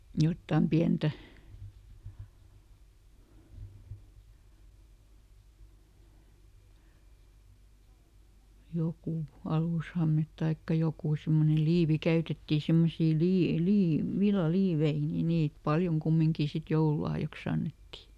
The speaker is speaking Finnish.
jotakin pientä joku alushame tai joku semmoinen liivi käytettiin semmoisia -- villaliivejä niin niitä paljon kumminkin sitten joululahjaksi annettiin